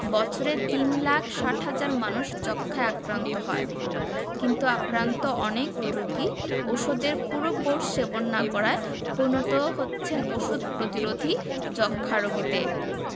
বছরে তিন লাখ ৬০ হাজার মানুষ যক্ষ্মায় আক্রান্ত হয় কিন্তু আক্রান্ত অনেক রোগী ওষুধের পুরো কোর্স সেবন না করায় পরিণত হচ্ছেন ওষুধ প্রতিরোধী যক্ষ্মা রোগীতে